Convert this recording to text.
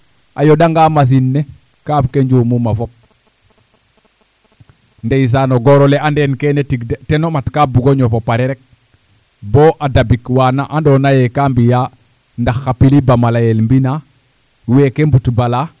a yaoɗanga machine le kaaf ke njumu ma fop ndeysaan o goor ole ande no keene tig de ten o mat ka bugo o ñof o pare rek bo a dabik waana andoona yee kaa mbi'aa ndax xa pilibama layel mbind na weeke mbutbala